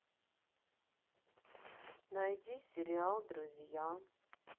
найди сериал друзья